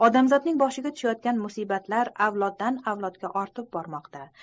odamzodning boshiga tushayotgan musibatlar avloddan avlodga ortib bormoqda